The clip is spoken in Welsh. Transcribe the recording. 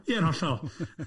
Ie'n hollol.